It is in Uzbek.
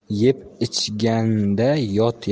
yeb ichganda yot